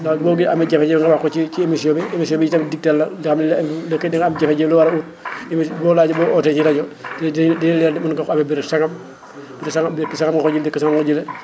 daal boo gi amee jafe-jafe nga wax ko ci ci émission bi émission bi itam digtal la nga su fekkee da ngaa am jafe-jafe loo war a ut émi boo laajee boo ootee ci rajo dinañ dinañ la wax mën nga koo amee bëréb sangam ***